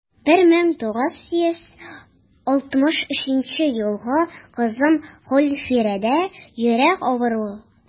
1963 елгы кызым гөлфирәдә йөрәк авыруы.